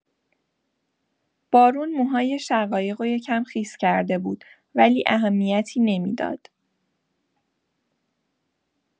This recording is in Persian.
بارون موهای شقایقو یه‌کم خیس کرده بود، ولی اهمیتی نمی‌داد.